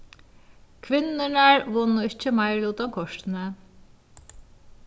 kvinnurnar vunnu ikki meirilutan kortini